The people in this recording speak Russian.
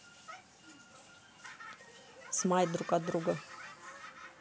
smite друг от друга